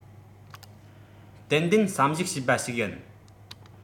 ཏན ཏན བསམ གཞིགས བྱས པ ཞིག ཡིན